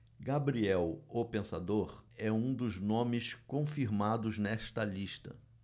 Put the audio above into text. gabriel o pensador é um dos nomes confirmados nesta lista